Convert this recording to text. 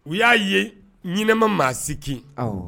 U y'a ye ɲma maa sike